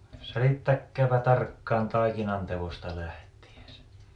selittäkääpä tarkkaan taikinanteosta lähtien se